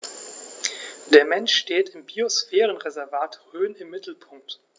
Der Mensch steht im Biosphärenreservat Rhön im Mittelpunkt.